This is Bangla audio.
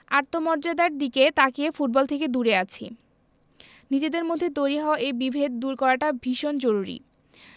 আত্মমর্যাদার দিকে তাকিয়ে ফুটবল থেকে দূরে আছি নিজেদের মধ্যে তৈরি হওয়া এই বিভেদ দূর করাটা ভীষণ জরুরি